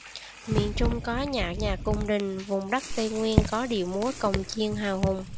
miền trung có nhã nhạc cung đình vùng đất tây nguyên có điệu múa cồng chiêng hào hùng